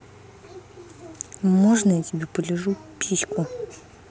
можно я тебе полижу письку